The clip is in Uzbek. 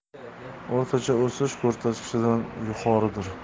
o'rtacha o'sish ko'rsatkichidan yuqoridir